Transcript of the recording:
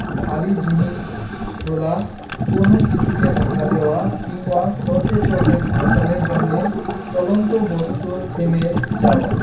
ভারী জিনিস তোলা কোনো কিছুকে ধাক্কা দেওয়া কিংবা চলতে চলতে ঘর্ষণের জন্য চলন্ত বস্তুর থেমে যাওয়া